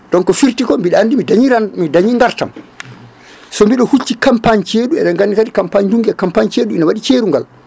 donc firti ko mbiɗa andi mi dañi ren mi dañi gartama so mbiɗo hucci campagne ceeɗu eɗen gandi kadi campagne ndungu e campagne ceeɗu ine waɗi ceerugal